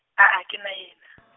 ha a kena yena .